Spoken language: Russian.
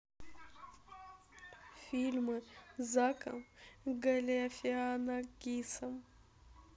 фильмы с заком галифианакисом